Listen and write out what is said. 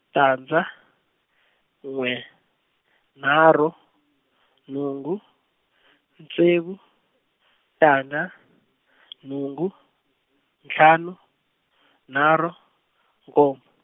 tandza n'we nharhu nhungu ntsevu tandza nhungu ntlhanu nharhu nkombo.